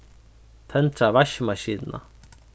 tendra vaskimaskinuna